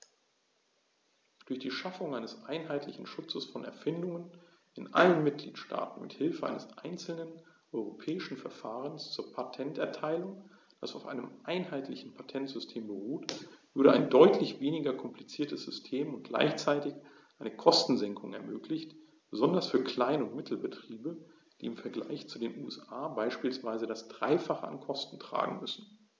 Durch die Schaffung eines einheitlichen Schutzes von Erfindungen in allen Mitgliedstaaten mit Hilfe eines einzelnen europäischen Verfahrens zur Patenterteilung, das auf einem einheitlichen Patentsystem beruht, würde ein deutlich weniger kompliziertes System und gleichzeitig eine Kostensenkung ermöglicht, besonders für Klein- und Mittelbetriebe, die im Vergleich zu den USA beispielsweise das dreifache an Kosten tragen müssen.